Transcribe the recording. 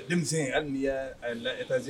Denmisɛn hali ni ya a la